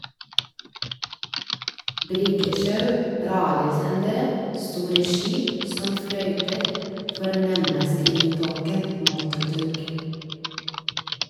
Bryggesjau, radiosendere, store skip som fløyter fornemmes i lydtåken, motordunk.